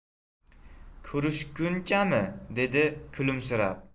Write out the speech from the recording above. ko'rishgunchami dedi kulimsirab